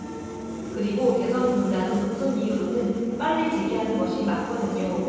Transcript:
그리고 개성공단은 무슨 이유로든 빨리 재개하는 것이 맞거든요